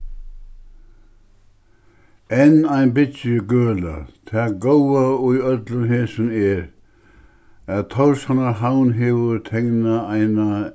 enn ein ein byggigøla tað góða í øllum hesum er at tórshavnar havn hevur teknað eina